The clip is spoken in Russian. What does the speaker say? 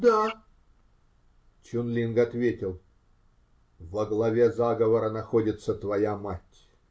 -- Да. Чун-Линг ответил: -- Во главе заговора находится твоя мать.